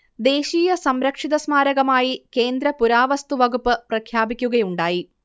ദേശീയ സംരക്ഷിതസ്മാരകമായി കേന്ദ്ര പുരാവസ്തുവകുപ്പ് പ്രഖ്യാപിക്കുകയുണ്ടായി